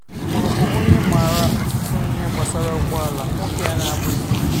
Mọọbụ onye maara ọtụtụ ihe gbasara ụgbọala — nwoke, n'abụghị nwaanyị.